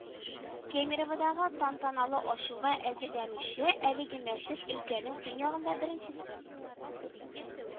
Кемероводагы тантаналы ачуга әзерләнүче әлеге мәчет өлкәнең төньягында беренчесе